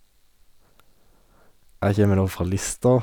Jeg kjeme da fra Lista.